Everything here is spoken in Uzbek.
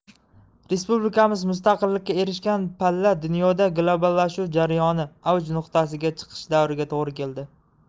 respublikamiz mustaqillikka erishgan palla dunyoda globallashuv jarayoni avj nuqtasiga chiqish davriga to'g'ri keldi